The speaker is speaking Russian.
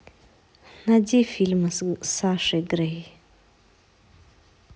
найди фильмы с сашей грей